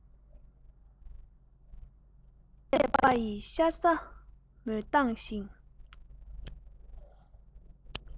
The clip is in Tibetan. དཀར ཟས པ ཡིས ཤ ཟ སྨོད སྟངས ཤིག